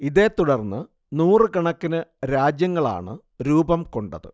ഇതെത്തുടർന്ന് നൂറുകണക്കിന് രാജ്യങ്ങളാണ് രൂപം കൊണ്ടത്